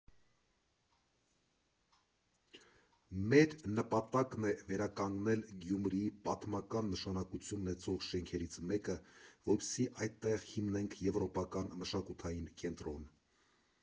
Մեր նպատակն էր վերականգնել Գյումրիի պատմական նշանակություն ունեցող շենքերից մեկը, որպեսզի այդտեղ հիմնենք եվրոպական մշակութային կենտրոն։